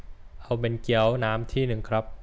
เอาเป็นเกี๊ยวน้ำหนึ่งที่ครับ